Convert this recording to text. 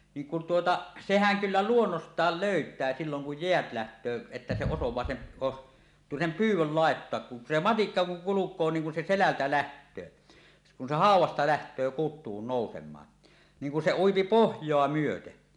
niin kun tuota sehän kyllä luonnostaan löytää silloin kun jäät lähtee että se osaa sen - sen pyydön laittaa kun se matikka kun kulkee niin kun se selältä lähtee se kun se haudasta lähtee kutuun nousemaan niin kun se ui pohjaa myöten